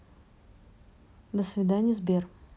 до свидания сбер